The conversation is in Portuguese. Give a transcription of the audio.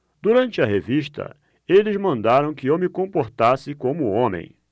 durante a revista eles mandaram que eu me comportasse como homem